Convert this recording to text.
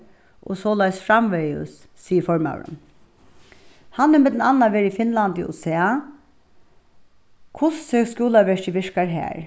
og soleiðis framvegis sigur formaðurin hann hevur millum annað verið í finnlandi og sæð hvussu skúlaverkið virkar har